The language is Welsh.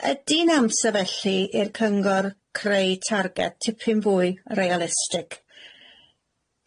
Ydi'n amsar felly i'r cyngor creu targed tipyn fwy realistig?